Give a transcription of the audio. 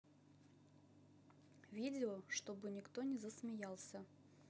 видео чтобы никто не засмеялся